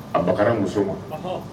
A bakari muso ma